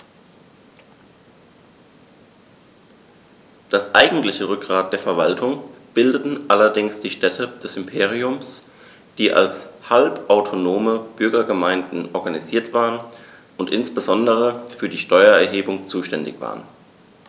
Das eigentliche Rückgrat der Verwaltung bildeten allerdings die Städte des Imperiums, die als halbautonome Bürgergemeinden organisiert waren und insbesondere für die Steuererhebung zuständig waren.